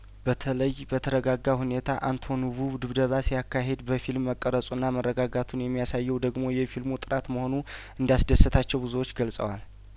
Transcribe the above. በተለይ በተረጋጋ ሁኔታ አንቶኖቩ ድብደባ ሲያካሂድ በፊልም መቀረጹና መረጋጋቱን የሚያሳየው ደግሞ የፊልሙ ጥራት መሆኑ እንዳስደሰታቸው ብዙዎች ገልጸዋል